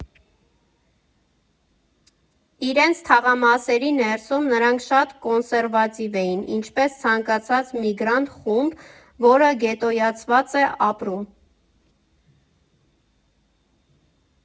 Իրենց թաղամասերի ներսում նրանք շատ կոնսերվատիվ էին, ինչպես ցանկացած միգրանտ խումբ, որը գետոյացված է ապրում։